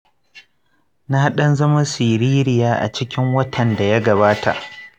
na dan zama sirirya a cikin watan daya gabata